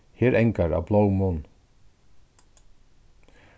her angar av blómum